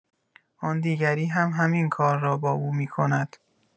آن دیگری هم همین کار را با او می‌کند.